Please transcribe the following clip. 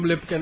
lépp kenn